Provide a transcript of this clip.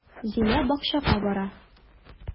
Зилә бакчага бара.